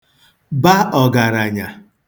ba ọ̀gàrànyà